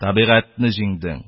Табигатьне жиңдең,